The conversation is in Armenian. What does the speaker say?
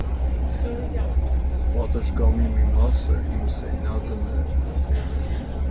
Պատշգամբի մի մասը իմ սենյակն էր։